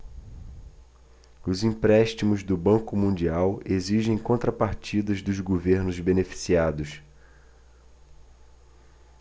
os empréstimos do banco mundial exigem contrapartidas dos governos beneficiados